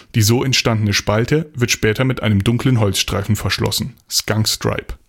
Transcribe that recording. Die so entstandene Spalte wird später mit einem dunklen Holzstreifen verschlossen (Skunkstripe